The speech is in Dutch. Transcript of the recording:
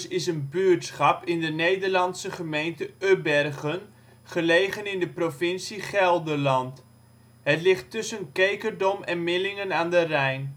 is een buurtschap in de Nederlandse gemeente Ubbergen, gelegen in de provincie Gelderland. Het ligt tussen Kekerdom en Millingen aan de Rijn